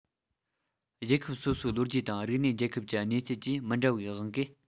རྒྱལ ཁབ སོ སོའི ལོ རྒྱུས དང རིག གནས རྒྱལ ཁབ ཀྱི གནས ཚུལ བཅས མི འདྲ བའི དབང གིས